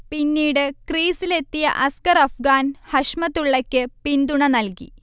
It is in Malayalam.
പിന്നീട് ക്രീസിലെത്തിയ അസ്ഗർ അഫ്ഗാൻ, ഹഷ്മതുള്ളയക്ക് പിന്തുണ നൽകി